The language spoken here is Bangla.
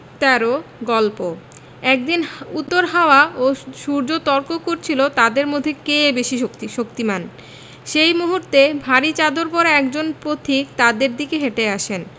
১৩ গল্প একদিন উত্তর হাওয়া এবং সূর্য তর্ক করছিল তাদের মধ্যে কে বেশি শক্তি শক্তিমান সেই মুহূর্তে ভারি চাদর পরা একজন পথিক তাদের দিকে হেটে আসেন